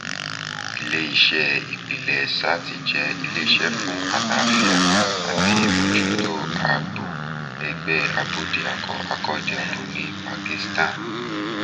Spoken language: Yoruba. Ilé-iṣẹ́ ìpìlẹ̀ Sathi jẹ́ ilé-iṣẹ́ fún àlàáfíà àti ìmójútó ààbò ẹgbẹ́ abódiakọ-akọ́diabo ní Pakistan.